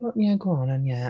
Yeah, go on then, yeah.